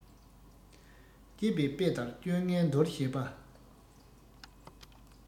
ཅེས པའི དཔེ ལྟར སྤྱོད ངན འདོར ཤེས པ